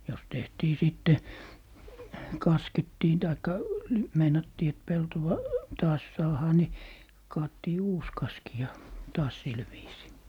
jos tehtiin sitten kaskettiin tai meinattiin että peltoa taas saadaan niin kaadettiin uusi kaski ja taas sillä viisiin